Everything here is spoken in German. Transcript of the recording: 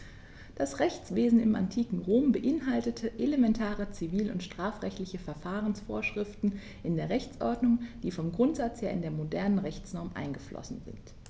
Das Rechtswesen im antiken Rom beinhaltete elementare zivil- und strafrechtliche Verfahrensvorschriften in der Rechtsordnung, die vom Grundsatz her in die modernen Rechtsnormen eingeflossen sind.